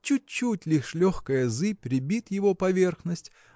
чуть-чуть лишь легкая зыбь рябит его поверхность